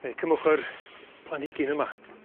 Neu cymwch yr planhigyn yma.